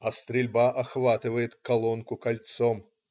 А стрельба охватывает Колонку кольцом.